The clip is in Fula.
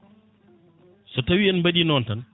so tawi en mbaɗi noon tan